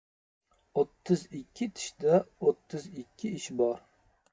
o'ttiz ikki tishda o'ttiz ikki ish bor